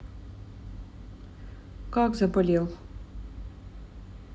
как заболел